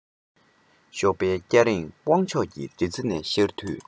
ཞོགས པའི སྐྱ རེངས དབང ཕྱོགས ཀྱི རི རྩེ ནས ཤར དུས